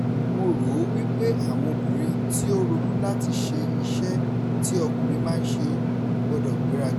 Mo rò ó wípé àwọn obìnrin tí ó ronú láti ṣe iṣẹ́ tí ọkùnrin máa ń ṣe, gbọdọ̀ gbéraga.